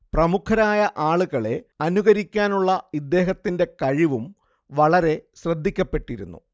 പ്രമുഖരായ ആളുകളെ അനുകരിക്കാനുള്ള ഇദ്ദേഹത്തിന്റെ കഴിവും വളരെ ശ്രദ്ധിക്കപ്പെട്ടിരുന്നു